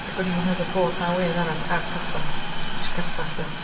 Ac o'n i'm yn meddwl bod 'na wedd arall ar y castell, jyst castell 'di o.